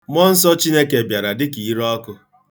Mmụọ Nsọ Chineke bịara dịka ireọkụ.